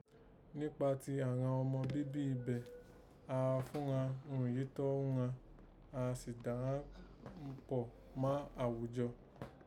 Nípa ti àghan ọma bíbí ibẹ̀ yẹ̀n, á à fún ghan irun yìí tọ́ ghún ghan, á à sì dà ghán pọ̀ má àghùjọ